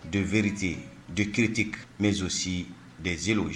Donvte do kiirite mzsonosi dezwo ye